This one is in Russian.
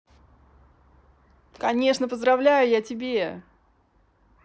конечно поздравляю я тебе